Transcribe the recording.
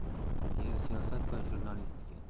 geosiyosat va jurnalistika